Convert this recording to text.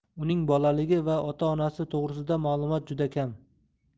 uning bolaligi va ota onasi to'grisida ma'lumot juda kam